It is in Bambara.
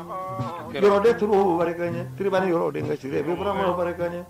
Ɲɛ ka